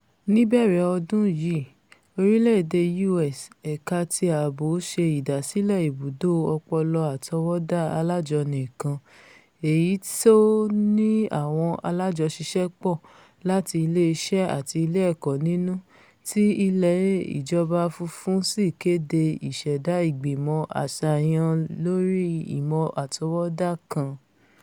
Níbẹ̀rẹ̀ ọdún yìí orílẹ̀-èdè U.S. Ẹ̀ka ti Ààbò ṣe ìdásílẹ̀ Ibùdó Ọpọlọ Àtọwọdá Alájọni kan, èyití tó ní àwọn alájọ́ṣiṣẹ́pọ̀ láti ilé iṣẹ́ àti ilé ẹ̀kọ́ nínú, ti Ilé Ìjọba Funfun sì kéde ìṣẹ̀dá Ìgbìmọ̀ Àsàyàn lórí Ìmọ̀ Àtọwọ́dá kan.